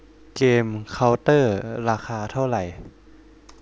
เกมเค้าเตอร์ราคาเท่าไหร่